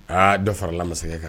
Aa dɔ farala masakɛ kan